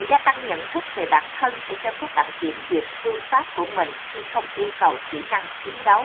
sự gia tăng nhận thức về bản thân sẽ cho phép bạn kiểm duyệt phương pháp của mình khi không yêu cầu kỹ năng chiến đấu